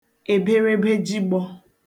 èberebe jigbọ̄